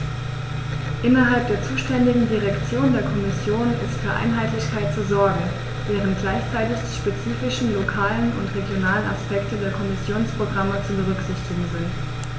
Innerhalb der zuständigen Direktion der Kommission ist für Einheitlichkeit zu sorgen, während gleichzeitig die spezifischen lokalen und regionalen Aspekte der Kommissionsprogramme zu berücksichtigen sind.